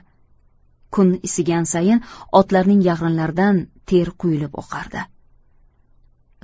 kun isigan sayin otlarning yag'rinlaridan ter quyilib oqardi